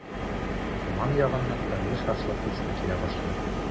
Урман ягыннан тәмле шашлык исе килә башлады.